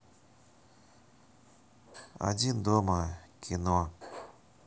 один дома кино